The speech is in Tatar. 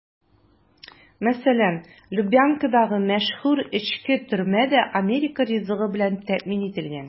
Мәсәлән, Лубянкадагы мәшһүр эчке төрмә дә америка ризыгы белән тәэмин ителгән.